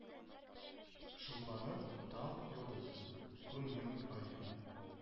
Шолпаны, таң ж лдызы, күн мен айы